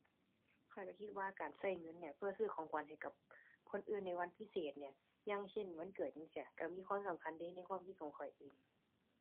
ข้อยก็คิดว่าการก็เงินเนี่ย เพื่อซื้อของขวัญให้กับคนอื่นในวันพิเศษเนี่ย อย่างเช่นวันเกิดจั่งซี้ ก็มีความสำคัญเดะในความคิดของข้อยเอง